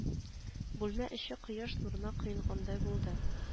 Бүлмә эче кояш нурына коенгандай булды